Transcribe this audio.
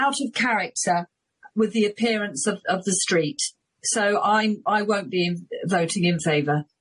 out of character with the appearance of of the street, so I'm I won't be voting in favour.